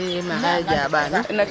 i maxey jaaɓaa nuun.